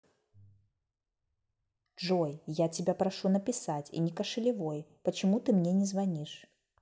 джой я тебя прошу написать и не кошелевой почему ты мне не звонишь